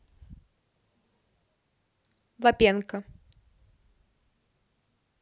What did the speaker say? лапенко